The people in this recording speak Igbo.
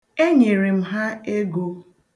Enyere m ha ego.